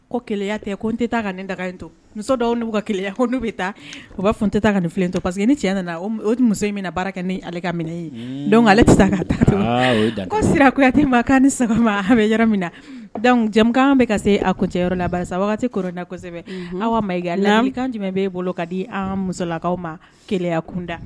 Ko keya tɛ ko n tɛ taa ka ne daga to muso dɔw kaya n' bɛ taa u b'a fɔ tɛ ta nin filen to parce que ni cɛ nana o muso in min na baara kɛ ni ale ka minɛ ale ko sira kuyate ma ni saba an bɛ yɔrɔ min na jamukan bɛ ka se a ko cɛ yɔrɔ la ba ko la kosɛbɛ aw ma ala bɛ e bolo ka di an musolakaw ma keya kunda